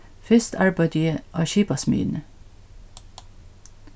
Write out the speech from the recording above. fyrst arbeiddi eg á skipasmiðjuni